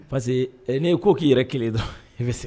Parce que n'i ye ko k'i yɛrɛ kelen dɔrɔn n bɛ